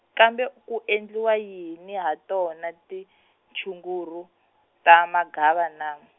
kambe ku endliwa yini ha tona tinchuguru, ta magava na?